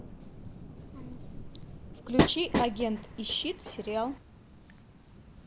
включи агент и щит сериал